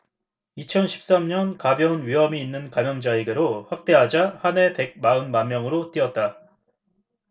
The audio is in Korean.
이천 십 삼 년 가벼운 위염이 있는 감염자에게로 확대하자 한 해 백 마흔 만명으로 뛰었다